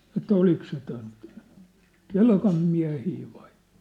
että oliko se tuon Kelkan miehiä vai